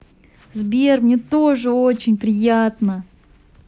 сбер мне тоже очень приятно